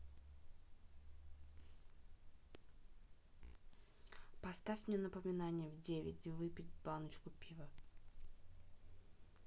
поставь мне напоминание в девять выпить баночку пива